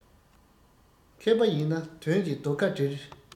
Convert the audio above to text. མཁས པ ཡིན ན དོན གྱི རྡོ ཁ སྒྲིལ